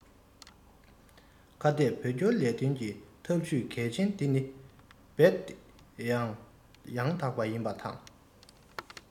ཁ གཏད བོད སྐྱོར ལས དོན གྱི ཐབས ཇུས གལ ཆེན དེ ནི རྦད དེ ཡང དག པ ཞིག ཡིན པ དང